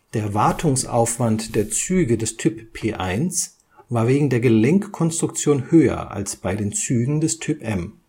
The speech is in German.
Der Wartungsaufwand der Züge des Typ P 1 war wegen der Gelenkkonstruktion höher als bei den Zügen des Typ M.